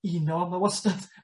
Uno, ma' wastod